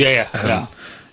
Ie ie